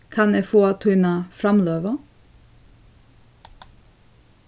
kanna eg fáa tína framløgu